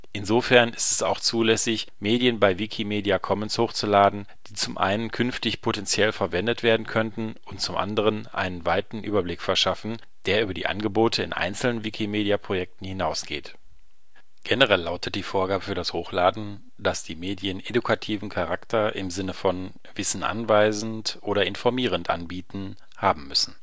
Insofern ist es auch zulässig, Medien bei Wikimedia Commons hochzuladen, die zum einen künftig potentiell verwendet werden könnten und zum anderen einen weiten Überblick verschaffen (der über die Angebote in einzelnen Wikimedia-Projekten hinausgeht). Generell lautet die Vorgabe für das Hochladen, dass die Medien edukativen Charakter im Sinne von „ Wissen anweisend oder informierend anbieten “haben müssen